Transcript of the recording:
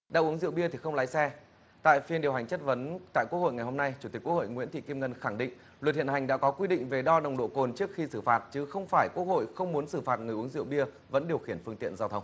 đã uống rượu bia thì không lái xe tại phiên điều hành chất vấn tại quốc hội ngày hôm nay chủ tịch quốc hội nguyễn thị kim ngân khẳng định luật hiện hành đã có quy định về đo nồng độ cồn trước khi xử phạt chứ không phải quốc hội không muốn xử phạt người uống rượu bia vẫn điều khiển phương tiện giao thông